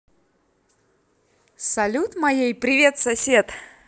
салют моей привет сосед